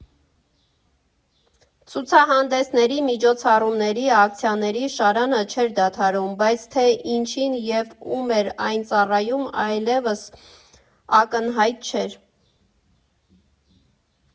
Ցուցահանդեսների, միջոցառումների, ակցիաների շարանը չէր դադարում, բայց թե ինչի՞ն և ու՞մ էր այն ծառայում, այլևս ակնհայտ չէր։